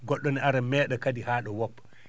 go??o ne ara mee?a kadi haa?a woppa